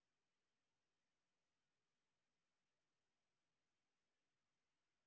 пирожков квн артур пирожков